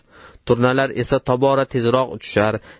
turnalar esa tobora tezroq uchishar